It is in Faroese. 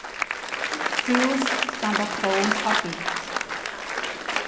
hús standa tóm á bygd